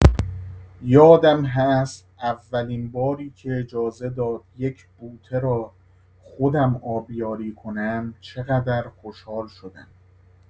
یادم هست اولین باری که اجازه داد یک بوته را خودم آبیاری کنم چقدر خوشحال شدم.